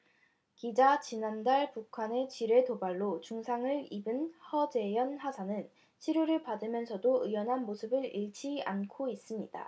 기자 지난달 북한의 지뢰 도발로 중상을 입은 하재헌 하사는 치료를 받으면서도 의연한 모습을 잃지 않고 있습니다